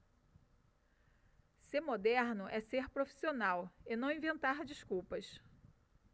ser moderno é ser profissional e não inventar desculpas